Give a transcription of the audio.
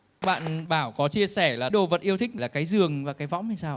bạn bảo có chia sẻ là đồ vật yêu thích là cái giường và cái võng sao ạ